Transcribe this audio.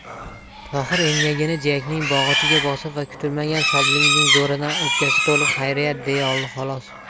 tohir engagini jiyakning bog'ichiga bosib va kutilmagan shodlikning zo'ridan o'pkasi to'lib xayriyat deya oldi xolos